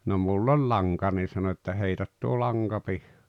no minulla oli lanka niin sanoi että heitä tuo lanka -